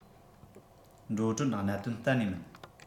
འགྲོ གྲོན གནད དོན གཏན ནས མིན